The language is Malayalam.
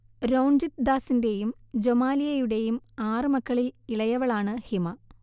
രോൺജിത് ദാസിന്റെയും ജൊമാലിയയുടെയും ആറുമക്കളിൽ ഇളയവളാണ് ഹിമ